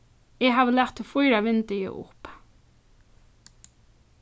eg havi latið fýra vindeygu upp